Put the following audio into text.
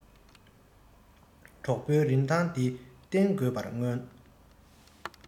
གྲོགས པོའི རིན ཐང འདི རྟེན དགོས པར མངོན